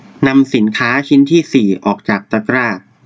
นำสินค้าชิ้นที่สี่ออกจากตะกร้า